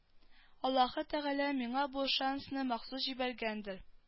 Аллаһы тәгалә миңа бу шансны махсус җибәргәндер